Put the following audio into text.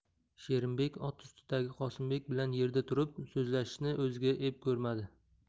sherimbek ot ustidagi qosimbek bilan yerda turib so'zlashishni o'ziga ep ko'rmadi